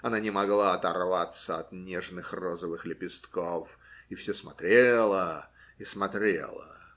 Она не могла оторваться от нежных розовых лепестков и все смотрела и смотрела.